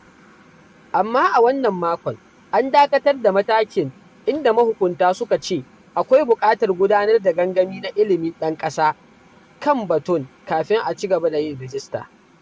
Amma a wannan makon, an dakatar da matakin, inda mahukunta suka ce akwai buƙatar gudanar da gangami na "ilimin ɗan ƙasa" kan batun kafin ci gaba da yin rajista.